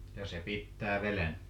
ja se pitää veden